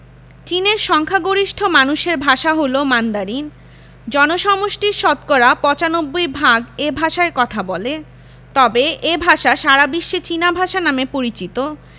চীনের সংখ্যাগরিষ্ঠ মানুষের ভাষা হলো মান্দারিন জনসমষ্টির শতকরা ৯৫ ভাগ এ ভাষায় কথা বলে তবে এ ভাষা সারা বিশ্বে চীনা ভাষা নামে পরিচিত